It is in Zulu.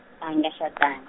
angikashadang-.